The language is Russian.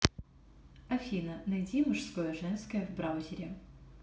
афина найди мужское женское в браузере